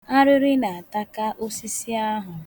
Arịrị na-ataka osisi ahụ.